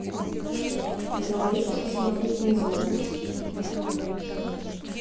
говорить что посмотреть то не знаю